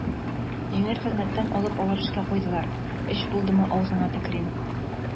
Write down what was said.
Җиңел хезмәттән алып авыр эшкә куйдылар, өч булдымы, авызыңа төкерим.